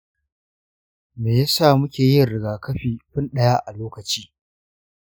meyasa muke yin rigakafi fin ɗaya a lokaci?